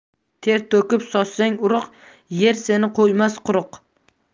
ter to'kib sochsang urug' yer seni qo'ymas quruq